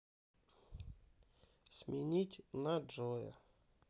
сменить на джоя